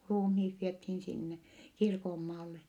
ruumiit vietiin sinne kirkonmaalle